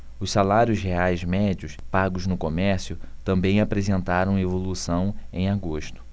os salários reais médios pagos no comércio também apresentaram evolução em agosto